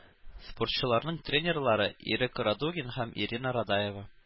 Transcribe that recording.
Спортчыларның тренерлары - Ирек Радугин һәм Ирина Радаева.